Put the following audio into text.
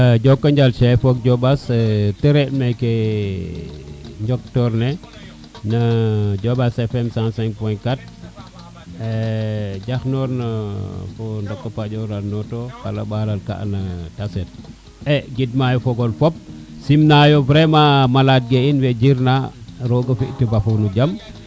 jokonjal Cheikh te re meke njoktor ne na njobas Fm 105 point 4 njastor na fo a ndoka paƴora le et gid mayo fop sim nayo vraiment malade ke in we njirna roga fi de mbafor no jam